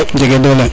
jege dole